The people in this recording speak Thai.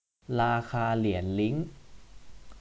ราคาเหรียญลิ้ง